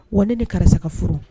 Wa ne ni karisa ka furu